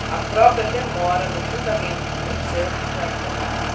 a própria demora no julgamento do processo já incomoda